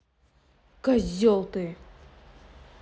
козел ты